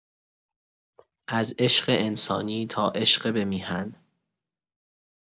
از عشق انسانی تا عشق به میهن